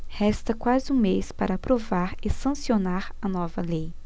resta quase um mês para aprovar e sancionar a nova lei